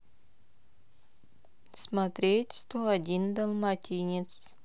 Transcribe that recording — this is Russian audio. смотреть сто один далматинец